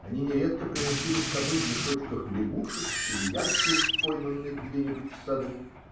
Они нередко приносили с собой в мешочках лягушек или ящериц, пойманных где-нибудь в саду.